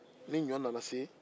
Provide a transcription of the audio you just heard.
ni ɲɔ nana se